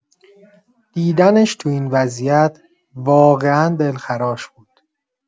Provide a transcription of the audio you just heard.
دیدنش تو اون وضعیت واقعا دلخراش بود.